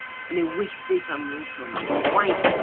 Yn enwedig pan maen nhw'n sôn am eu gwaith.